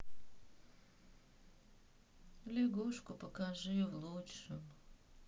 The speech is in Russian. лягушку покажи в лучшем